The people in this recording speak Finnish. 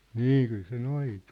niin kyllä se noitui